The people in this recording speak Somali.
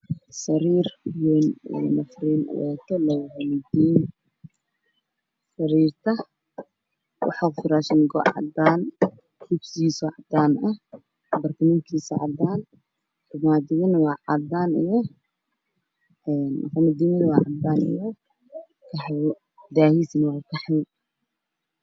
Waxaa ii muuqda sariir laba nafar ah oo midabkeedu yahay qaxwi daayada waa taxwii go-aan sariirta saaran waa caddaan